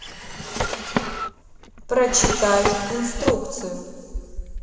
прочитай инструкцию